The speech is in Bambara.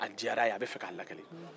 a diyara a ye a b'a fɛ k'a lakale